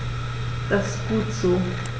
Das ist gut so.